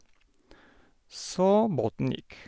Så båten gikk.